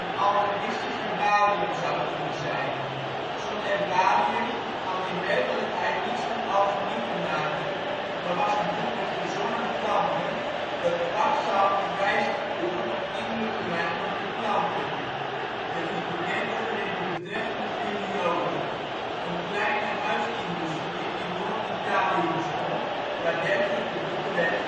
alchemistisch herbarium zou kunnen zijn. Zo 'n herbarium had in werkelijkheid niets met alchemie te maken, maar was een boek met verzonnen planten dat kwakzalvers bij zich droegen om indruk te maken op hun klanten. Het is bekend dat er in de betreffende periode een kleine huisindustrie in Noord-Italië bestond, waar dergelijke boeken werden